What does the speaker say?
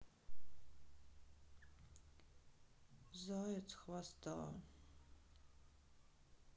заяц хвоста